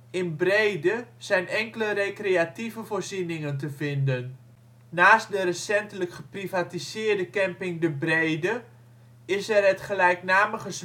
In Breede zijn enkele recreatieve voorzieningen te vinden. Naast de recentelijk geprivatiseerde camping De Breede, is er het gelijknamige